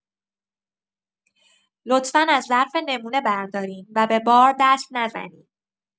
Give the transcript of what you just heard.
لطفا از ظرف نمونه بردارین و به بار دست نزنین.